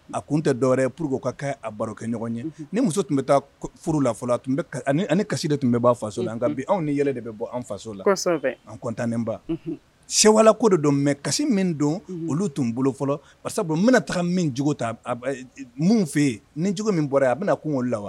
A kun n tɛ dɔwɛrɛ ye pur ka kɛ baro kɛ ɲɔgɔn ye ni muso tun bɛ taa furu la fɔlɔla tun kasi de tun bɛ ban faso la anw ni yɛlɛ de bɛ bɔ an faso la kɔntanen ba sɛwalan ko de don mɛ kasi min don olu tun n bolofɔlɔ sabula n bɛna taga min cogo ta min fɛ yen ni cogo min bɔra a bɛna na kungo' la wa